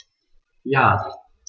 Ja.